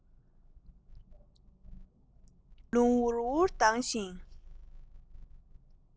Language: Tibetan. གྲང རླུང འུར འུར ལྡང བཞིན